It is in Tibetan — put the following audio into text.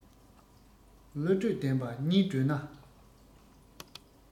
བློ གྲོས ལྡན པ གཉིས བགྲོས ན